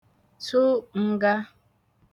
tụ ǹga